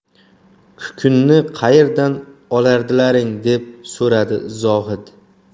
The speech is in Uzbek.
kukunni qaerdan olardilaring deb so'radi zohid